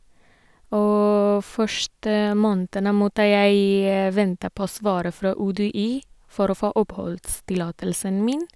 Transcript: Og første månedene måtte jeg vente på svaret fra UDI for å få oppholdstillatelsen min.